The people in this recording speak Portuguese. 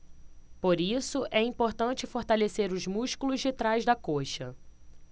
por isso é importante fortalecer os músculos de trás da coxa